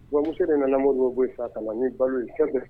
Bon muso de nana sa kana ni balo ye